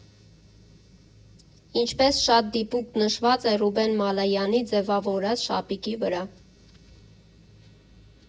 Ինչպես շատ դիպուկ նշված է Ռուբեն Մալայանի ձևավորած շապիկի վրա։